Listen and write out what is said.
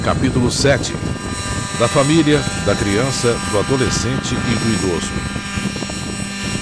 capítulo sete da família da criança do adolescente e do idoso